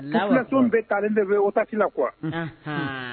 Kafin bɛ taalen de bɛ o la qu